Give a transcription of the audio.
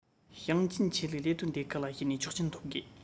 ཞིང ཆེན ཆོས ལུགས ལས དོན སྡེ ཁག ལ ཞུས ནས ཆོག མཆན ཐོབ དགོས